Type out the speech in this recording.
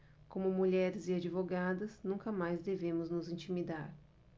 como mulheres e advogadas nunca mais devemos nos intimidar